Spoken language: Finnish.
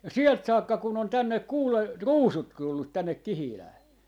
ja sieltä saakka kun on tänne kuule ruusut tullut tänne Kihilään